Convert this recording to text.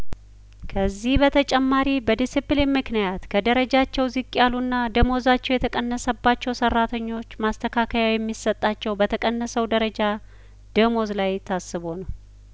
ከዚህ በተጨማሪ በዲሲፒሊን ምክንያት ከደረጃቸው ዝቅ ያሉና ደመወዛቸው የተቀነሰባቸው ሰራተኞች ማስተካከያው የሚሰጣቸው በተቀነሰው ደረጃ ደመወዝ ላይ ታስቦ ነው